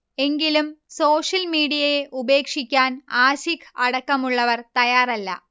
എങ്കിലും സോഷ്യൽ മീഡിയയെ ഉപേക്ഷിക്കാൻ ആശിഖ് അടക്കമുള്ളവർ തയ്യാറല്ല